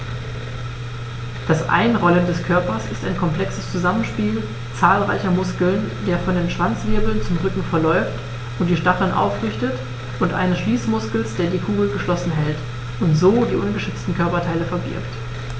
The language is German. Das Einrollen des Körpers ist ein komplexes Zusammenspiel zahlreicher Muskeln, der von den Schwanzwirbeln zum Rücken verläuft und die Stacheln aufrichtet, und eines Schließmuskels, der die Kugel geschlossen hält und so die ungeschützten Körperteile verbirgt.